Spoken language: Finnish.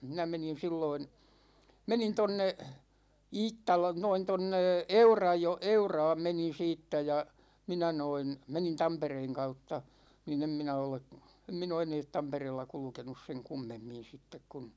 minä menin silloin menin tuonne Iittala noin tuonne - Euraan menin siitä ja minä noin menin Tampereen kautta niin en minä ole en minä ole enää Tampereella kulkenut sen kummemmin sitten kun